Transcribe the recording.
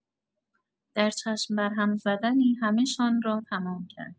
در چشم بر هم زدنی همه‌شان را تمام کرد!